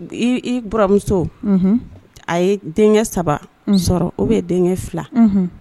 I bmuso a ye denkɛ saba sɔrɔ o bɛ denkɛ fila